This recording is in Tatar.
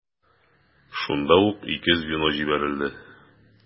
Шунда ук ике звено җибәрелде.